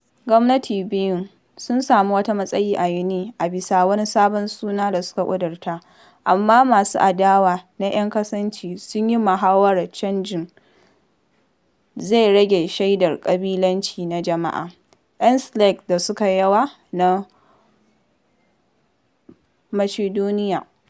Gwamnatin biyu sun sami wata matsayi a Yuni a bisa wani sabon suna da suka ƙudurta, amma masu adawa na ‘yan kasanci sun yi mahawara canjin zai rage shaidar ƙabilanci na jama’a ‘yan Slav da suka yawa na Macedonia.